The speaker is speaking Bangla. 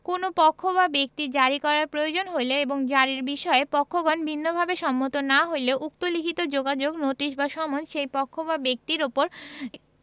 কোন পক্ষ বা ব্যক্তির জারী করার প্রয়োজন হইলে এবং জারীর বিষয়ে পক্ষগণ ভিন্নভাবে সম্মত না হইলে উক্ত লিখিত যোগাযোগ নোটিশ বা সমন সেই পক্ষ বা ব্যক্তির উপর